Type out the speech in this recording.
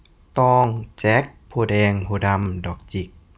ตองแจ็คโพธิ์แดงโพธิ์ดำดอกจิก